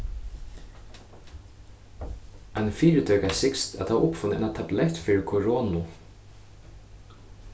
ein fyritøka sigst at hava uppfunnið eina tablett fyri koronu